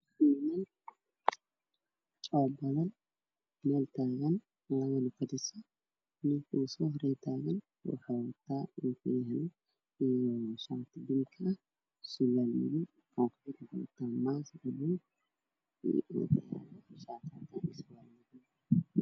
Waa niman aada u badan oo meel taagan oo fadhiso ninka ugu soo horreeyo wuxuu wataa raashin buluuga iyo iswaal madowga ninka ku xigana faato cadaan ah iyo macawis cadaan ah